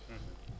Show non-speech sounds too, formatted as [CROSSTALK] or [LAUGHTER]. [HESITATION] [HESITATION]